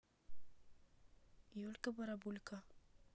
юлька барабулька